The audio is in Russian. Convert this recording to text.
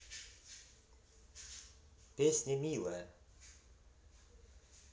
песня милая